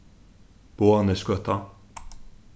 boðanesgøta